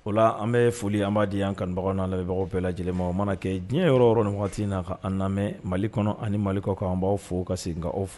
O la an bɛ foli an b'a di an kan baganbagaw bɛɛ la lajɛlen o mana kɛ diɲɛ yɔrɔ yɔrɔ ni waati in na an lamɛn mali kɔnɔ ani malikaw kanan b bawaw fo ka segin aw fɔ